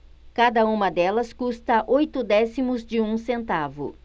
cada uma delas custa oito décimos de um centavo